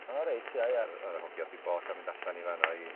O reit ia ia. Yy yr hogia wth 'u bodd ca'l fynd allan i fan 'no i...